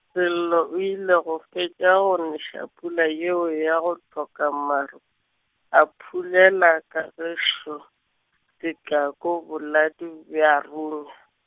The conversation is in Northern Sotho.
Sello o ile go fetša go neša pula yeo ya go hloka maru, a phulela Kagišo, sekaku boladu bja run- .